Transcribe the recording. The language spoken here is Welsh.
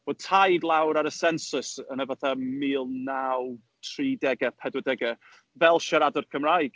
Fod Taid lawr ar y sensws, yn y fatha mil naw tridegau, pedwardegau, fel siaradwr Cymraeg.